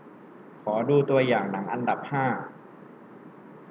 ขอดูตัวอย่างหนังอันดับห้า